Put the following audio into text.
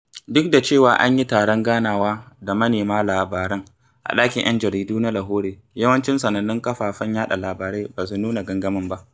Duk da cewa an yi taron ganawa da manema labaran a ɗakin 'Yan Jaridu na Lahore, yawancin sanannun kafafen yaɗa labarai ba su nuna gangamin ba.